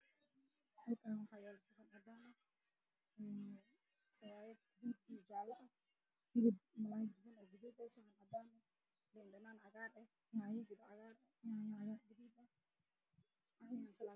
Halkaanw axaa yaalo biyo caafi hilib iyo ukun lashiilay